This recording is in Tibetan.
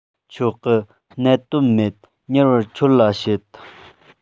ཆོག གི གནད དོན མེད མྱུར བར ཁྱོད ལ བཤད